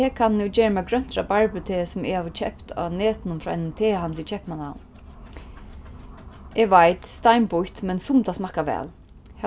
tekannuni og geri mær grønt rabarbute sum eg havi keypt á netinum frá einum tehandli í keypmannahavn eg veit steinbýtt men sum tað smakkar væl